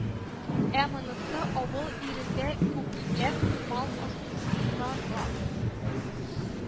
Ә монысы авыл ирендә күп ләп мал ас рарга